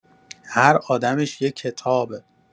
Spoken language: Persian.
هر آدمش یه کتابه.